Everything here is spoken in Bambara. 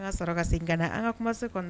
An ka sɔrɔ ka sen ka an ka kuma se